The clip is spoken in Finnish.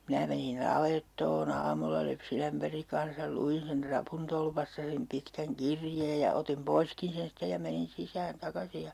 minä menin navettaon aamulla lypsinämpärin kanssa luin sen rapuntolpasta sen pitkän kirjeen ja otin poiskin sen sitten ja menin sisään takaisin ja